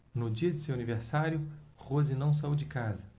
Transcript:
no dia de seu aniversário rose não saiu de casa